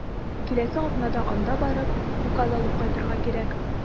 Киләсе атнада анда барып, указ алып кайтырга кирәк.